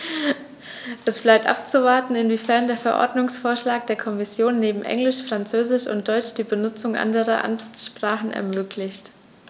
Es bleibt abzuwarten, inwiefern der Verordnungsvorschlag der Kommission neben Englisch, Französisch und Deutsch die Benutzung anderer Amtssprachen ermöglicht.